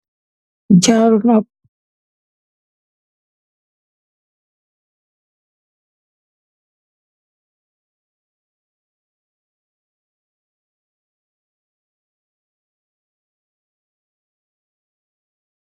Jaaru noppu.